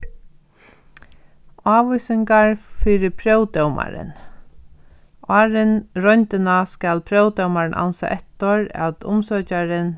ávísingar fyri próvdómaran áðrenn royndina skal próvdómarin ansa eftir at umsøkjarin